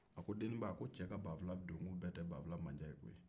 a ko deniba ko cɛ ka banfula don kun bɛɛ tɛ banfula mandiya koyi